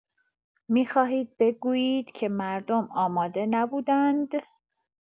می‌خواهید بگویید که مردم آماده نبودند؟